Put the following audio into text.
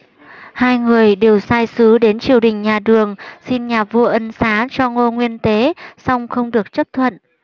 hai người đều sai sứ đến triều đình nhà đường xin nhà vua ân xá cho ngô nguyên tế song không được chấp thuận